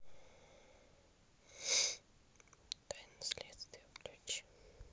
тайны следствия включи